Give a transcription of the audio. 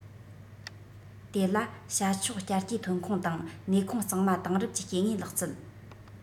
དེ ལ བྱ ཆོག བསྐྱར སྐྱེའི ཐོན ཁུངས དང ནུས ཁུངས གཙང མ དེང རབས ཀྱི སྐྱེ དངོས ལག རྩལ